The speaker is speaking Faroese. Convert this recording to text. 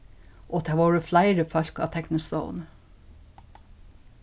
og tað vóru fleiri fólk á teknistovuni